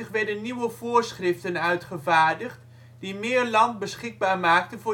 werden nieuwe voorschriften uitgevaardigd die meer land beschikbaar maakten